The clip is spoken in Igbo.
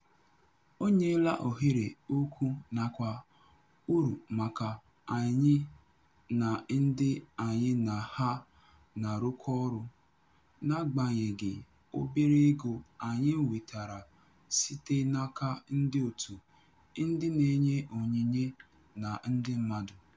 O nyela ohere ukwuu nakwa ụrụ maka anyị na ndị anyị na ha na-arụkọ ọrụ, n'agbanyeghị obere ego anyị nwetara site n'aka ndịòtù ndị na-enye onyinye na ndị mmadụ.